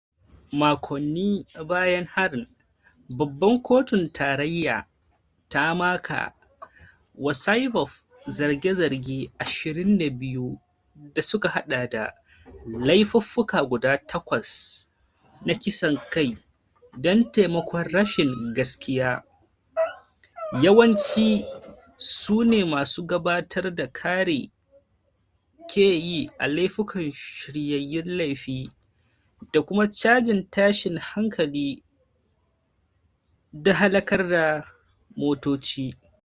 Makonni bayan harin, babban kotun tarayya ta maka wa Saipov zarge-zarge 22 da suka hada da laifuffuka guda takwas na kisan kai don taimakon rashin gaskiya, yawanci sune masu gabatar da kara ke yi a laifukan shiryeyyen laifi, da kuma cajin tashin hankali da halakar da motoci.